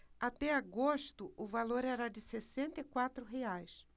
até agosto o valor era de sessenta e quatro reais